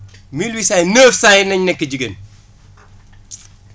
mille huit cent yi neuf cent yi nañ nekk jigéen